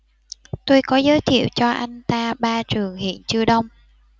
tôi có giới thiệu cho anh ta ba trường hiện chưa đông